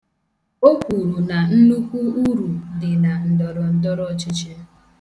O kwuru na nnukwu uru dị na ndọrọndọrọọchịchị.